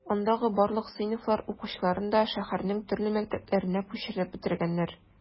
Андагы барлык сыйныфлар укучыларын да шәһәрнең төрле мәктәпләренә күчереп бетергәннәр.